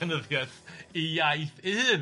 Iaith un.